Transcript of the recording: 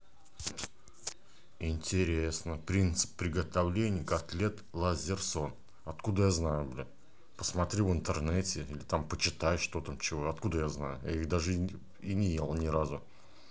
принципы приготовления котлет лазерсон